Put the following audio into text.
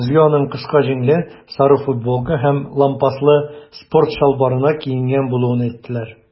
Безгә аның кыска җиңле сары футболка һәм лампаслы спорт чалбарына киенгән булуын әйттеләр.